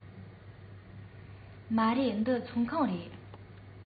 མ རེད འདི ཚོང ཁང རེད